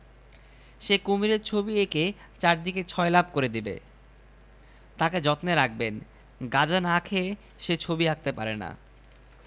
কুমীর কি লাল হয় আর্টিস্ট বিরক্ত মুখে বললেন লাল না এটা মেজেন্টা কালার কুমীর কি মেজেন্টা কালারের হয় হয় না ইচ্ছা করেই মেজেন্টা করে দিলাম